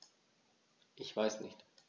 Ich weiß nicht.